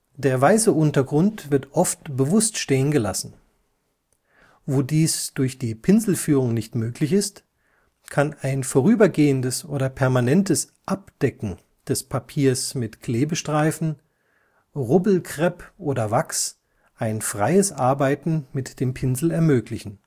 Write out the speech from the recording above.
Der weiße Untergrund wird oft bewusst stehen gelassen. Wo dies durch die Pinselführung nicht möglich ist, kann ein vorübergehendes oder permanentes Abdecken des Papiers mit Klebestreifen, Rubbelkrepp oder Wachs ein freies Arbeiten mit dem Pinsel ermöglichen